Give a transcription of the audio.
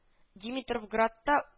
Димитровградта